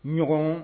Ɔgɔn